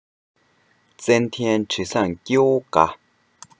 ཙན དན དྲི བཟང སྐྱེ བོ དགའ